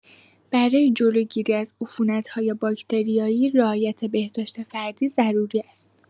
برای جلوگیری از عفونت‌های باکتریایی، رعایت بهداشت فردی ضروری است.